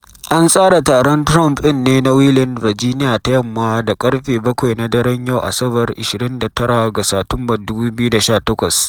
An tsara taron Trump din ne na Wheeling, Virginia ta Yamma da karfe 7 na daren yau Asabar, 29 ga Satumba, 2018.